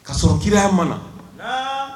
Ka sɔrɔ kira ma na